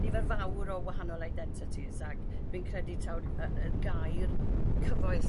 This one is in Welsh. nifer fawr o wahanol identities ag dwi'n credu taw'r yy y gair cyfoes